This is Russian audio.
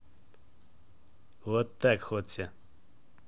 вот так хотся